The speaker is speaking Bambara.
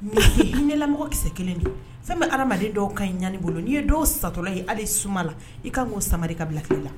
hinɛnamɔgɔ kisɛ kelen de , fɛn min hadamaden dɔw ka ɲi ɲani bolo, n'i ye dɔw satɔla ye hali suma la, i kan k'o sama de ka bila tile la